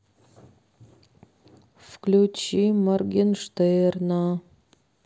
включи моргенштерна